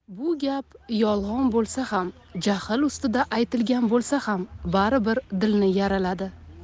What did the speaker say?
bu gap yolg'on bo'lsa ham jahl ustida aytilgan bo'lsa ham baribir dilni yaraladi